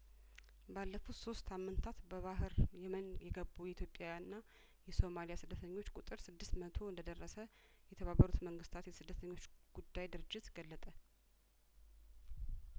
ባለፉት ሶስት ሳምንታት በባህር የመን የገቡ የኢትዮጵያ ና የሶማሊያ ስደተኞች ቁጥር ስድስት መቶ እንደደረሰ የተባበሩት መንግስታት የስደተኞች ጉዳይ ድርጅት ገለጠ